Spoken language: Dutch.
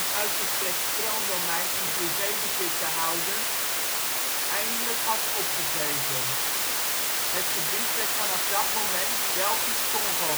uitgestrekt Kroondomein in privé-bezit te houden eindelijk had opgegeven. Het gebied werd vanaf dat moment Belgisch-Kongo